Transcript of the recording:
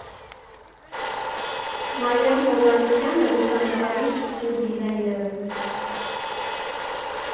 Մարիամ Հովհաննիսյանը լուսանկարիչ ու դիզայներ է։